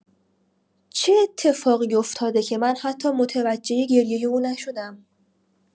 چه اتفاقی افتاده که من حتی متوجه گریه او نشدم؟